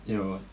joo